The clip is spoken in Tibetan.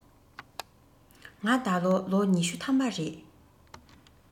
ང ད ལོ ལོ ཉི ཤུ ཐམ པ རེད